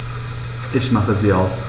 Ich mache sie aus.